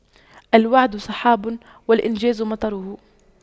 الوعد سحاب والإنجاز مطره